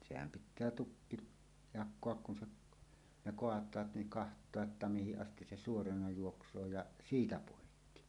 sehän pitää tukki jakaa kun se ne kaataa niin katsoa että mihin asti se suorana juoksee ja siitä poikki